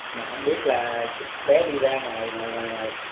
mà hổng biết là bé đi ra ngoài ngoài ngoài ngoài